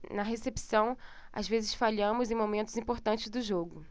na recepção às vezes falhamos em momentos importantes do jogo